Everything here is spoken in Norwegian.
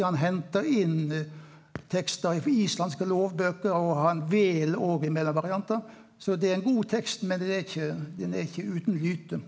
han hentar inn tekstar ifrå islandske lovbøker og han vel òg imellom variantar, så det er ein god tekst men det er ikkje den er ikkje utan lyte.